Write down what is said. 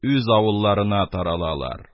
Үз авылларына таралалар.